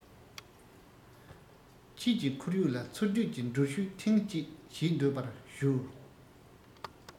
ཁྱེད ཀྱི ཁོར ཡུག ལ འཚོལ སྡུད ཀྱི འགྲུལ བཞུད ཐེངས ཤིག བྱེད ཆོག པར ཞུ